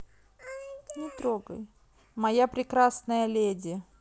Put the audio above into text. моя прекрасная леди